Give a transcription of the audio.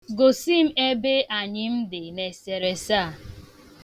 Gosi m ebe anyịm dị n'esereese a.